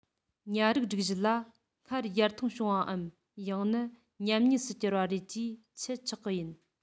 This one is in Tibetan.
ཉ རིགས སྒྲིག གཞི ལ སྔར ཡར ཐོན བྱུང བའམ ཡང ན ཉམས དམས སུ གྱུར པ རེད ཅེས འཆད ཆོག གི ཡིན